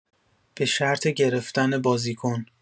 به شرط گرفتن بازیکن